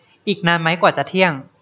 อีกนานไหมกว่าจะเที่ยง